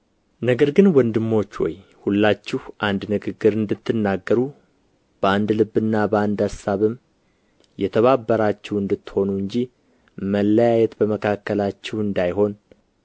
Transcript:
ነገር ግን ወንድሞች ሆይ ሁላችሁ አንድ ንግግር እንድትናገሩ በአንድ ልብና በአንድ አሳብም የተባበራችሁ እንድትሆኑ እንጂ መለያየት በመካከላችሁ እንዳይሆን